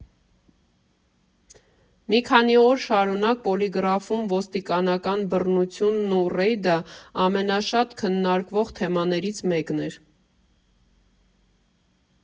Մի քանի օր շարունակ Պոլիգրաֆում ոստիկանական բռնությունն ու ռեյդը ամենաշատ քննարկվող թեմաներից մեկն էր։